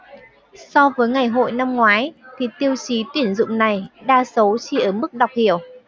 so với ngày hội năm ngoái thì tiêu chí tuyển dụng này đa số chỉ ở mức đọc hiểu